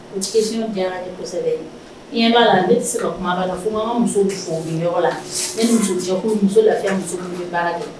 Kosɛbɛ b'a la ne tɛ se ka kuma b'a la fo ka muso fo la ne musoya muso lafi muso bɛ baara de